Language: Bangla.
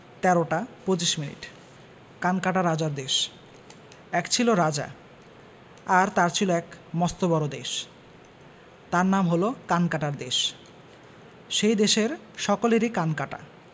১৩টা ২৫ মিনিট কানকাটা রাজার দেশ এক ছিল রাজা আর তার ছিল এক মস্ত বড়ো দেশ তার নাম হল কানকাটার দেশ সেই দেশের সকলেরই কান কাটা